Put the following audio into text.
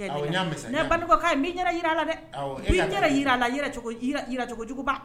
Awɔ n y'a mɛn sa, n ye Banikɔka ye n bɛ yɛrɛ jira a la dɛ, awɔ e ka, n bɛ n yɛrɛ jira, jira cogo jugu ba.